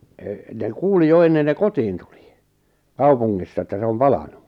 - ne kuuli jo ennen ne kotiin tuli kaupungissa että se on palanut